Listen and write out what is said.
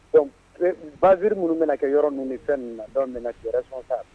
Dɔnkuc babiri minnu bɛna kɛ yɔrɔ ninnu de fɛn ninnu na dɔw minɛ tan